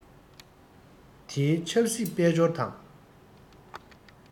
དེའི ཆབ སྲིད དཔལ འབྱོར དང